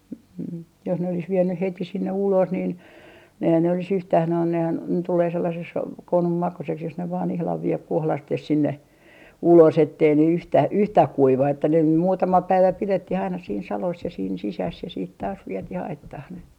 -- jos ne olisi vienyt heti sinne ulos niin eihän ne olisi yhtään nehän nehän tulee sellaiseksi konun makuiseksi jos ne vain ihan vie kohdasteen sinne ulos että ei ne yhtään yhtään kuiva että ne muutama päivä pidettiin aina siinä salossa ja siinä sisässä ja sitten taas vietiin aittaan ne